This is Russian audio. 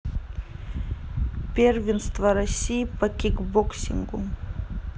первенство россии по кикбоксингу